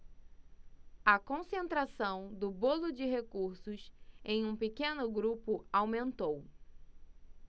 a concentração do bolo de recursos em um pequeno grupo aumentou